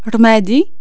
رمادي